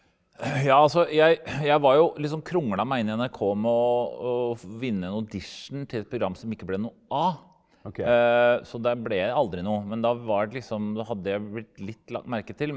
ja altså jeg jeg var jo liksom krongla meg inn i NRK med å å vinne en audition til et program som ikke ble noe av så det ble aldri noe men da var det liksom da hadde jeg blitt litt lagt merke til.